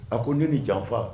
A ko ne ni janfa